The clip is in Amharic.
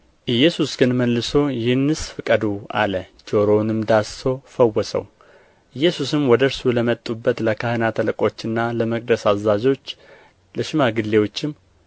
ኢየሱስ ግን መልሶ ይህንስ ፍቀዱ አለ ጆሮውንም ዳስሶ ፈወሰው ኢየሱስም ወደ እርሱ ለመጡበት ለካህናት አለቆችና ለመቅደስ አዛዦች ለሽማግሌዎችም